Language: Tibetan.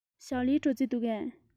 ཞའོ ལིའི འགྲོ རྩིས འདུག གས